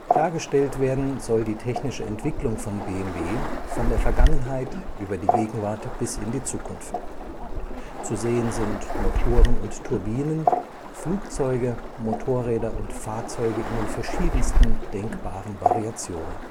Dargestellt werden soll die technische Entwicklung von BMW von der Vergangenheit über die Gegenwart bis in die Zukunft. Zu sehen sind Motoren und Turbinen, Flugzeuge, Motorräder und Fahrzeuge in den verschiedensten denkbaren Variationen